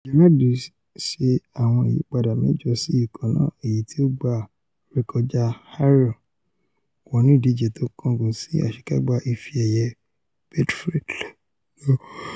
Gerrard ṣe àwọn ìyípadà mẹ́jọ sí ikọ̀ náà èyití ó gbá rekọjá Ayr wọnú ìdíje tó kángun sí àṣèkágbá Ife-ẹ̀yẹ Betfred náà.